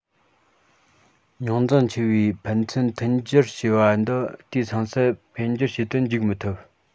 རྙོག འཛིང ཆེ བའི ཕན ཚུན མཐུན སྦྱོར བྱེད པ འདི དུས མཚུངས སུ འཕེལ འགྱུར བྱེད དུ འཇུག མི ཐུབ